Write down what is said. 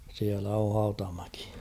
siellä on Hautamäki